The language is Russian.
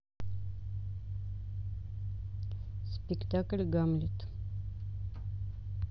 спектакль гамлет